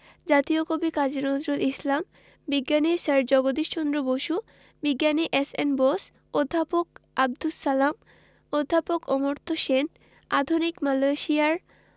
জাতীয় কবি কাজী নজরুল ইসলাম বিজ্ঞানী স্যার জগদীশ চন্দ্র বসু বিজ্ঞানী এস.এন বোস অধ্যাপক আবদুস সালাম অধ্যাপক অমর্ত্য সেন আধুনিক মালয়েশিয়ার